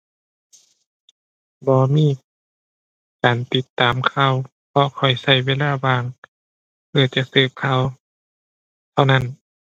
บ่มี การติดตามข่าว เพราะข้อยใช้เวลาว่างไว้แต่เสพข่าวเท่านั้น